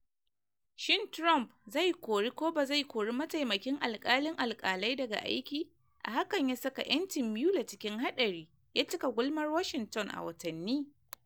Shin Trump zai kori ko ba zai kori mataimakin alkalin alkalai daga aiki, a hakan ya saka ‘yancin Mueller cikin hadari, ya cika gulmar Washington a watanni.